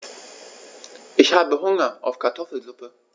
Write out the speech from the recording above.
Ich habe Hunger auf Kartoffelsuppe.